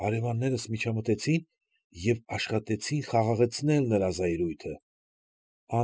Հարևաններս միջամտեցին և աշխատեցին խաղաղացնել նրա զայրույթը։